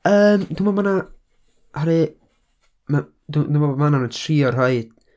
Yym, dwi meddwl ma' 'na, oherwydd, ma', dwi- dwi meddwl bo' Manon yn trio rhoi